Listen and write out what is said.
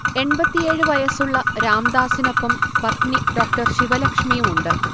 എൺപത്തിയേഴ് വയസ്സുളള രാംദാസിനൊപ്പം പത്നി ഡോ. ശിവ ലക്ഷ്മിയുമുണ്ട്